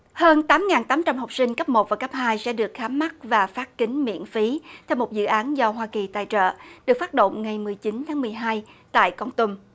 hơn tám ngàn tám trăm học sinh cấp một và cấp hai sẽ được khám mắt và phát kính miễn phí theo một dự án do hoa kỳ tài trợ được phát động ngày mười chín tháng mười hai tại con tum